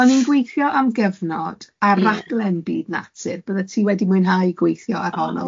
O'n i'n gweithio am gyfnod... Ie. ...ar raglen byd natur, byddet ti wedi mwynhau gweithio arno. Oh wow.